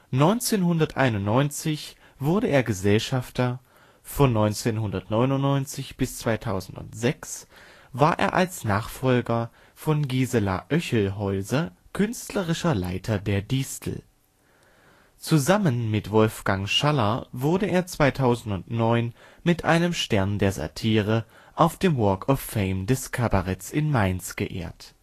1991 wurde er Gesellschafter, von 1999 bis 2006 war er als Nachfolger von Gisela Oechelhaeuser künstlerischer Leiter der Distel. Zusammen mit Wolfgang Schaller wurde er 2009 mit einem Stern der Satire auf dem Walk of Fame des Kabaretts in Mainz geehrt